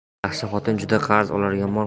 yaxshi xotin jun qarz olar